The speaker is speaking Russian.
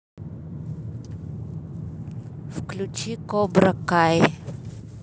включи кобра кай